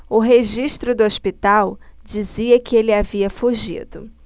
o registro do hospital dizia que ele havia fugido